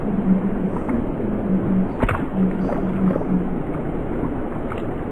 A 'dan ni'n methu ca'l mynd i'r cystadlaetha.